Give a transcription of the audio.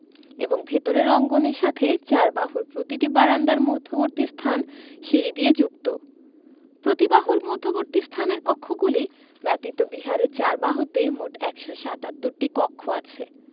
এবং ভেতরের অঙ্গনের সাথে চারবাহুর প্রতিটি বারান্দার মধ্যবর্তীস্থান সিঁড়ি দিয়ে যুক্ত প্রতিবাহুর মধ্যবর্তী স্থানের কক্ষগুলি ব্যতীত বিহারের ৪ বাহুতে মোট ১৭৭টি কক্ষ আছে